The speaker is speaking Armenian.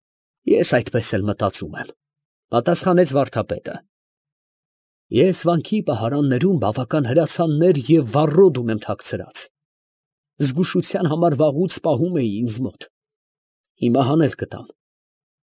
Ես էլ այսպես եմ մտածում, ֊ պատասխանեց վարդապետը. ֊ ես վանքի պահարաններում բավական հրացաններ և վառոդ ունեմ թաքցրած, զգուշության համար վաղուց պահում էի ինձ մոտ. հիմա հանել կտամ.